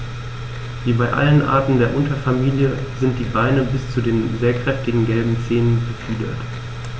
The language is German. Wie bei allen Arten der Unterfamilie sind die Beine bis zu den sehr kräftigen gelben Zehen befiedert.